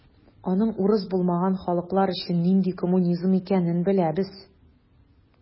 Аның урыс булмаган халыклар өчен нинди коммунизм икәнен беләбез.